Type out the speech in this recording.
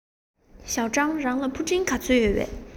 ཞའོ ཀྲང རང ལ ཕུ འདྲེན ག ཚོད ཡོད